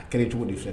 A kelen cogo de filɛ